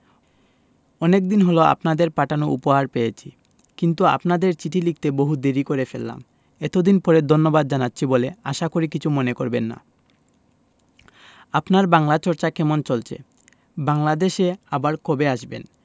অনেকদিন হল আপনাদের পাঠানো উপহার পেয়েছি কিন্তু আপনাদের চিঠি লিখতে বহু দেরী করে ফেললাম এতদিন পরে ধন্যবাদ জানাচ্ছি বলে আশা করি কিছু মনে করবেন না আপনার বাংলা চর্চা কেমন চলছে বাংলাদেশে আবার কবে আসবেন